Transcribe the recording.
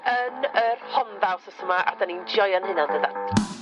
...yn y Rhondda wthnos yma a 'dyn ni'n joio'n hunan dydan?